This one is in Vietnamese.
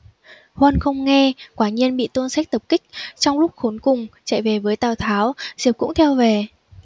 huân không nghe quả nhiên bị tôn sách tập kích trong lúc khốn cùng chạy về với tào tháo diệp cũng theo về